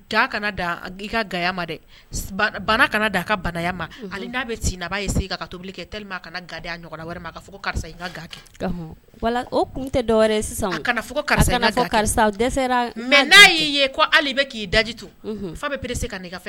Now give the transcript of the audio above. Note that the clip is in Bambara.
Ka bana kana a ka bana ma n'a bɛ'a ye sen ka tobili kɛ ga ɲɔgɔn wɛrɛ ka karisa ka ga wala o tɛ dɔw karisa karisa dɛsɛ mɛ n'a y'i ye ko ale bɛ k'i dajitu fa bɛ se ka